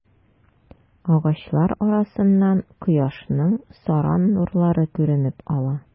Агачлар арасыннан кояшның саран нурлары күренеп ала.